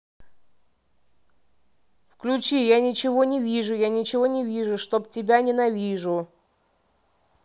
включи я ничего не вижу я ничего не вижу чтоб тебя ненавижу